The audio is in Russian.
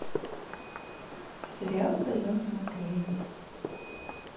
сериал вдвоем смотреть